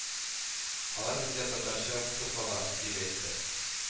Алар безгә татарча укыту кала, дип әйтте